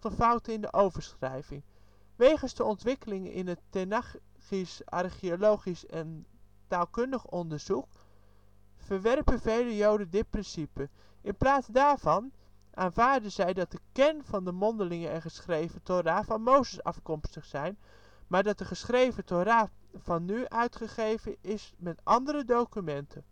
in de overschrijving. Wegens de ontwikkelingen in het Tenachisch, archeologisch en taalkundig onderzoek, verwerpen vele joden dit principe. In plaats daarvan, aanvaarden zij dat de kern van de mondelinge en geschreven Thora van Mozes afkomstig zijn, maar dat de geschreven Thora van nu uitgegeven is met andere documenten